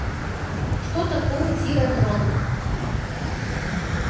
что такое тиратрон